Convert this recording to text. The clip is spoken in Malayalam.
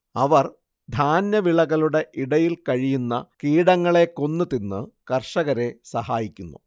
അവ ധാന്യവിളകളുടെ ഇടയിൽ കഴിയുന്ന കീടങ്ങളെ കൊന്ന് തിന്ന് കർഷകരെ സഹായിക്കുന്നു